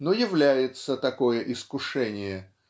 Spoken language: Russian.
но является такое искушение